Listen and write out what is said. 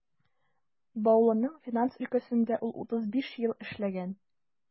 Баулының финанс өлкәсендә ул 35 ел эшләгән.